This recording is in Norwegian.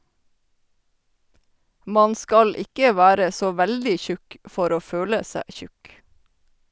Man skal ikke være så veldig tjukk for å føle seg tjukk.